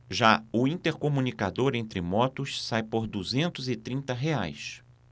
já o intercomunicador entre motos sai por duzentos e trinta reais